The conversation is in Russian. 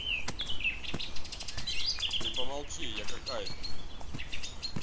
ты помолчи я какая то